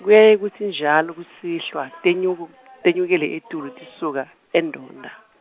kuyaye kutsi njalo kusihlwa, tenyuke- tenyukele etulu tisuka, eNdonda.